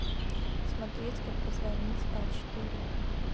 смотреть как позвонить а четыре